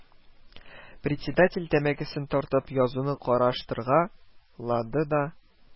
Председатель, тәмәкесен тартып, язуны караштырга-лады да: